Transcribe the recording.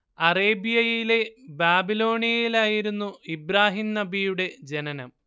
അറേബ്യയിലെ ബാബിലോണിയയിലായിരുന്നു ഇബ്രാഹിം നബിയുടെ ജനനം